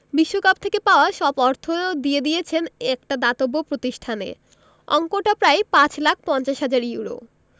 বিশ্বকাপ থেকে পাওয়া সব অর্থ দিয়ে দিয়েছেন একটা দাতব্য প্রতিষ্ঠানে অঙ্কটা প্রায় ৫ লাখ ৫০ হাজার ইউরো